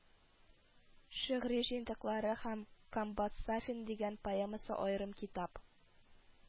Шигъри җыентыклары һәм «комбат сафин» дигән поэмасы аерым китап